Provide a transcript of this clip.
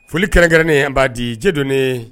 Foli kɛrɛnkɛrɛnnen b'a di Dieu donné